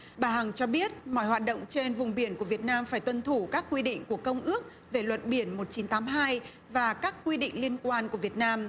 bà hằng cho biết mọi hoạt động trên vùng biển của việt nam phải tuân thủ các quy định của công ước về luật biển một chín tám hai và các quy định liên quan của việt nam